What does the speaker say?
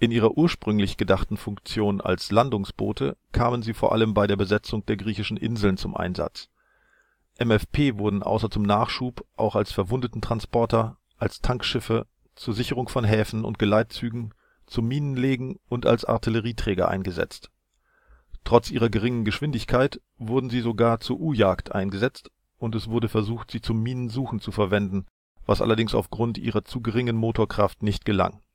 ihrer ursprünglich gedachten Funktion als Landungsboote kamen sie vor allem bei der Besetzung der griechischen Inseln zum Einsatz. MFP wurden außer zum Nachschub auch als Verwundetentransporter, als Tankschiffe, zur Sicherung von Häfen und Geleitzügen, zum Minenlegen und als Artillerieträger eingesetzt. Trotz ihrer geringen Geschwindigkeit wurden sie sogar zur U-Jagd eingesetzt und es wurde versucht sie zum Minensuchen einzusetzen, was allerdings aufgrund ihrer zu geringen Motorkraft nicht gelang